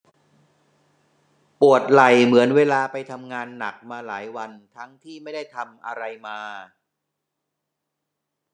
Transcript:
ปวดไหล่เหมือนเวลาไปทำงานหนักมาหลายวันทั้งที่ไม่ได้ทำอะไรมา